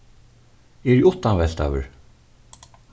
eg eri uttanveltaður